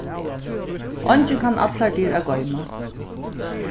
eingin kann allar dyr at goyma